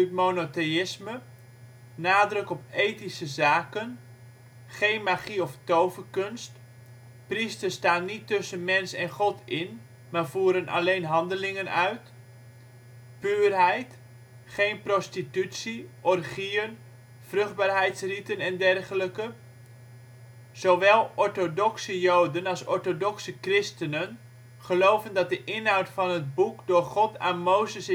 monotheïsme nadruk op ethische zaken geen magie of toverkunst (priesters staan niet tussen mens en God in, maar voeren alleen handelingen uit) puurheid (geen prostitutie, orgieën, vruchtbaarheidsriten e.d.) Zowel orthodoxe joden als orthodoxe christenen geloven dat de inhoud van het boek door God aan Mozes